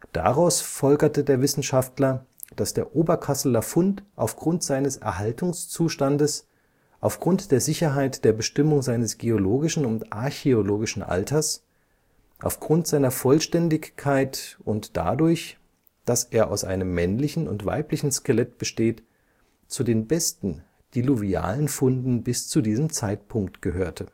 Daraus folgerte der Wissenschaftler, dass der Oberkasseler Fund aufgrund seines Erhaltungszustandes, aufgrund der Sicherheit der Bestimmung seines geologischen und archäologischen Alters, aufgrund seiner Vollständigkeit und dadurch, dass er aus einem männlichen und weiblichen Skelett besteht, zu den besten diluvialen Funden bis zu diesem Zeitpunkt gehörte